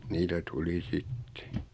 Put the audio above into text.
niitä tuli sitten